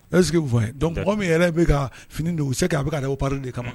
E fɔ dɔn mɔgɔ min yɛrɛ bɛ ka fini don se kan a bɛbɔ de kama